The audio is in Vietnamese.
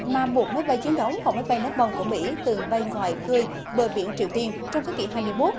mà buộc máy bay chiến đấu hoặc máy bay ném bom của mỹ từng bay ngoài khơi bờ biển triều tiên trong thế kỷ hai mươi mốt